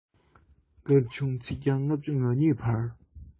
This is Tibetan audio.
སྐར ཆུང ཚིག བརྒྱ ལྔ བཅུ ང གཉིས བར